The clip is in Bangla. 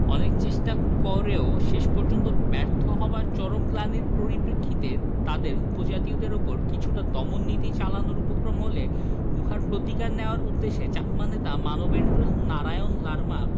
অনেক চেষ্টা করেও শেষ পর্যন্ত ব্যর্থ হবার চরম গ্লানির পরিপ্রেক্ষিতে তাদের উপজাতীয়দের ওপর কিছুটা দমন নীতি চালানোর উপক্রম হলে উহার প্রতিকার নেয়ার উদ্দেশে চাকমা নেতা মানবেন্দ্র নারায়ণ লারমা